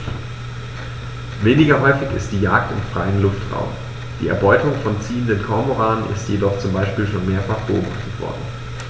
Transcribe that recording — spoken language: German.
Weniger häufig ist die Jagd im freien Luftraum; die Erbeutung von ziehenden Kormoranen ist jedoch zum Beispiel schon mehrfach beobachtet worden.